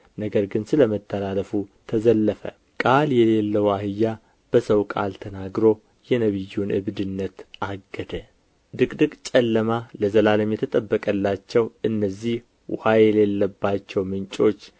ነገር ግን ስለ መተላለፉ ተዘለፈ ቃል የሌለው አህያ በሰው ቃል ተናግሮ የነቢዩን እብድነት አገደ ድቅድቅ ጨለማ ለዘላለም የተጠበቀላቸው እነዚህ ውኃ የሌለባቸው ምንጮች